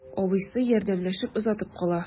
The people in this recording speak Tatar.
Абыйсы ярдәмләшеп озатып кала.